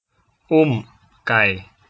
อุ้มไก่